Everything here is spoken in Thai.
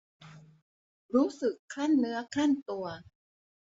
รู้สึกครั่นเนื้อครั่นตัว